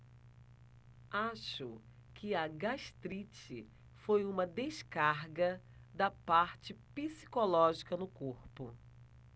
acho que a gastrite foi uma descarga da parte psicológica no corpo